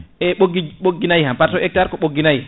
eyyi ɓoggui ɓoggui nayyi ham par ce hectare ko ɓoggui nayyi